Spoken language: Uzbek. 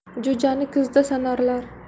jo'jani kuzda sanarlar